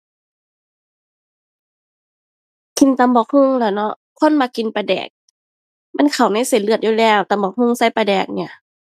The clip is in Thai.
กินตำบักหุ่งแหล้วเนาะ คนมักกินปลาแดก มันเข้าในเส้นเลือดอยู่แล้วตำบักหุ่งใส่ปลาแดกเนี่ย